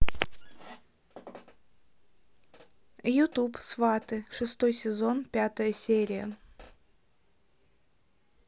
ютуб сваты шестой сезон пятая серия